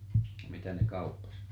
mitä ne kauppasi